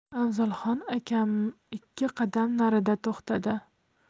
afzalxon akam ikki qadam narida to'xtadi